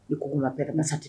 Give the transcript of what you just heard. I ko la paix, la santé